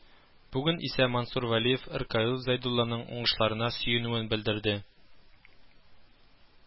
Бүген исә Мансур Вәлиев Ркаил Зәйдулланың уңышларына сөенүен белдерде